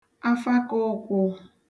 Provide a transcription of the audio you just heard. afakāụkwụ̄